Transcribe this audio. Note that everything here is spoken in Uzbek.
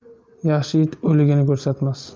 yaxshi it o'ligini ko'rsatmas